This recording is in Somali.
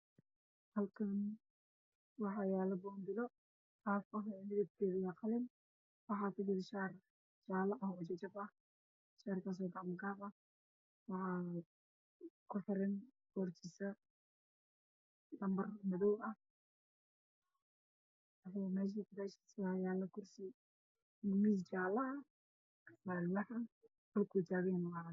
Halkaan waxaa yaalo boonbalo midabkiisu waa qalnin wax ku jira shar gacmo gaab ah